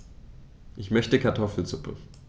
Ich möchte Kartoffelsuppe.